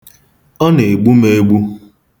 Ọ na-egbu m egbu.